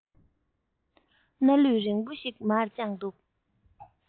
སྣ ལུད རིང པོ ཞིག མར དཔྱངས འདུག